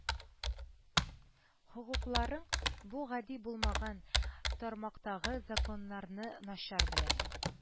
Хокукларын, бу гади булмаган тармактагы законнарны начар белә